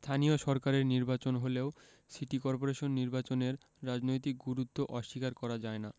স্থানীয় সরকারের নির্বাচন হলেও সিটি করপোরেশন নির্বাচনের রাজনৈতিক গুরুত্ব অস্বীকার করা যায় না